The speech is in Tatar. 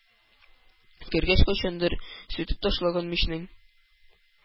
Кергәч, кайчандыр сүтеп ташланган мичнең